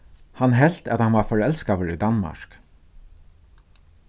hann helt at hann var forelskaður í danmark